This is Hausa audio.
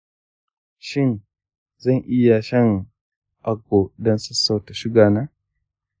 shin zan iya shan agbo don sassauta suga na?